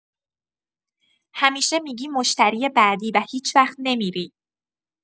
همیشه می‌گی مشتری بعدی و هیچ‌وقت نمی‌ری.